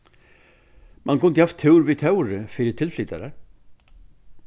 mann kundi havt túr við tórði fyri tilflytarar